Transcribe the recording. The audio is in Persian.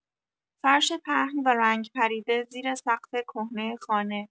فرش پهن و رنگ‌پریده زیر سقف کهنه خانه